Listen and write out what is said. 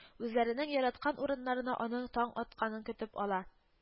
Үзләренең яраткан урыннарына аны таң атканда көтеп ала